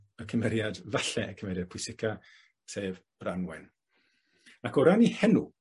Y cymeriad, falle y cymeriad pwysica, sef Branwen. Ac o ran 'i henw,